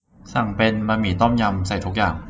สั่งเป็นบะหมี่ต้มยำใส่ทุกอย่าง